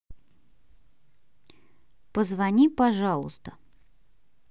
позвони пожалуйста